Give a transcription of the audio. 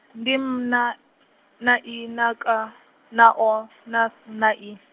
ndi M na, na I na K na O na S na I.